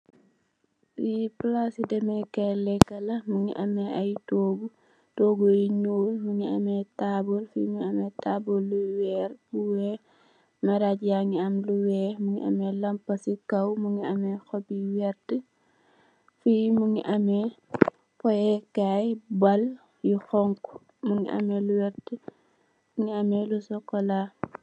Fi plasci demé kai lekala mugi ame togu togu yu njul mugi ame taboul mugi ame taboul wer bu wex maragi yangi ame lu wex mugi ame lampa ci kaw mungi ame xobe yu wert Fi mugi ame foye kai bal yu xonxu mugi ame lu wert mugi ame lu socola